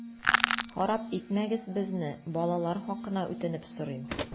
Хараплар итмәгез безне, балалар хакына үтенеп сорыйм!